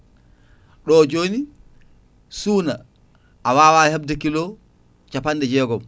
ɗo joni suuna a wawa hebde kilo capanɗe jeegom